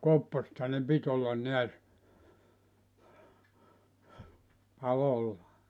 kopposethan ne piti olla näet palolla